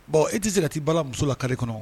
Bon e tɛ se ka'i bala muso la kari kɔnɔ